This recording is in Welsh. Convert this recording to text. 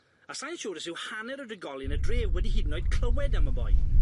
a sai'n siŵr os yw hanner o drigolion y dref wedi hyd yn oed clywed am y boi.